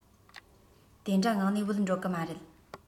དེ འདྲ ངང ནས བུད འགྲོ གི མ རེད